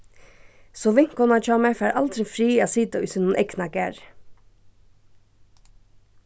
so vinkonan hjá mær fær aldrin frið at sita í sínum egna garði